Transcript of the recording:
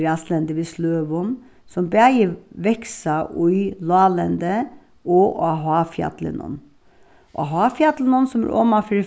graslendi við sløgum sum bæði vaksa í láglendi og á háfjallinum á háfjallinum sum er omanfyri